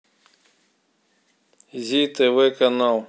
зи тв канал